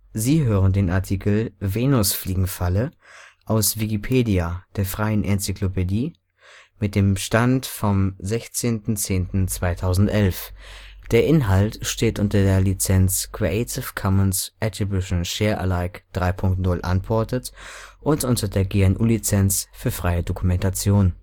Sie hören den Artikel Venusfliegenfalle, aus Wikipedia, der freien Enzyklopädie. Mit dem Stand vom Der Inhalt steht unter der Lizenz Creative Commons Attribution Share Alike 3 Punkt 0 Unported und unter der GNU Lizenz für freie Dokumentation